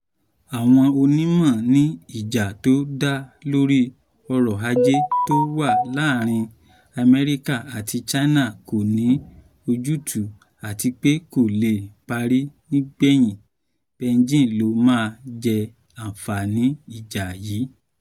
Àwọn onímọ̀ ní ìjà tó dá lórí ọrọ̀-ajé tó wá láàrin Amẹ́ríkà àti China kò ní ojútùú, àtipé kò le parí. Nígbẹ̀yìn, Beijing ló máa jẹ àǹfààní ìjà yí.